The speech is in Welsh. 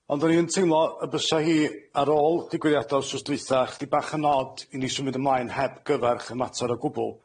Ond o'n i yn teimlo y bysa hi, ar ôl digwyddiada wsos dwytha, chydig bach yn od i ni symud ymlaen heb gyfarch ym mater o gwbwl.